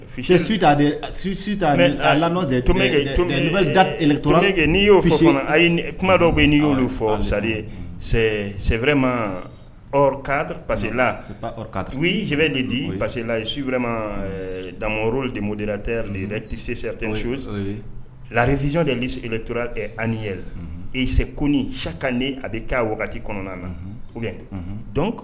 Kuma dɔw bɛ'i y'oolu fɔ sa ye sɛ ma ka pasla u ye sɛ de di pala su wɛrɛ ma da demo detɛ tɛse tɛ so laresi de sigilen tora ani yɛrɛ la ese ko ni sa ka di a bɛ taa wagati kɔnɔna na